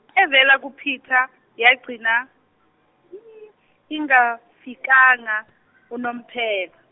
evela kuPeter, yagcina, ingafikanga unomphela.